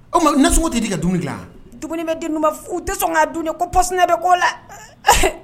O nascogo tɛ di ka dumuni dilan dumuni bɛ di n' tɛ sɔn k'a dun ye ko psiina bɛ ko la